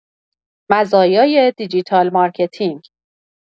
مزایای دیجیتال مارکتینگ